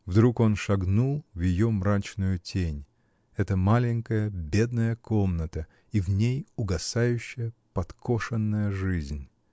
Вдруг он шагнул в ее мрачную тень: эта маленькая, бедная комната и в ней угасающая, подкошенная жизнь.